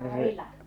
Karila